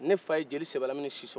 ne fa ye jeli sebalamini sisɔkɔ